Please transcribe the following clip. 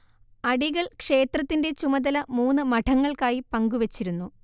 അടികൾ ക്ഷേത്രത്തിൻറെ ചുമതല മൂന്ന് മഠങ്ങൾക്കായി പങ്കുവച്ചിരുന്നു